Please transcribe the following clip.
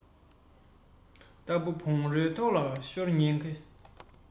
རྟ རོ བོང རོའི ཐོག ལ ཤོར ཉེན ཆེ